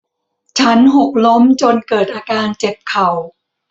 ฉันหกล้มจนเกิดอาการเจ็บเข่า